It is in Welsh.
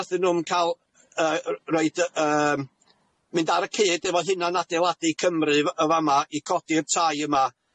nathon nw'm ca'l yy roid y yym mynd ar y cyd efo Hunan Adeiladu Cymru yy yn fa' 'ma i codi'r tai yma